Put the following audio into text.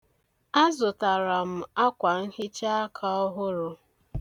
Azụtara m akwanhichaaka ọhụrụ.